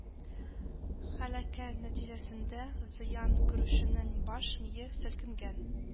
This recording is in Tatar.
Һәлакәт нәтиҗәсендә, зыян күрүченең баш мие селкенгән